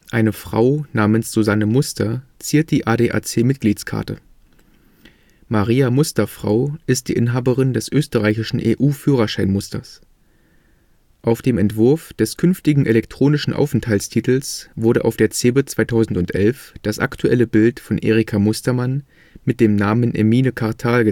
Eine Frau namens Susanne Muster ziert die ADAC-Mitgliedskarte. Maria Musterfrau ist die Inhaberin des österreichischen EU-Führerschein-Musters. Auf dem Entwurf des künftigen elektronischen Aufenthaltstitels wurde auf der CeBIT 2011 das aktuelle Bild von Erika Mustermann mit dem Namen Emine Kartal